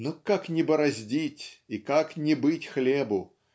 Но как не бороздить и как не быть хлебу?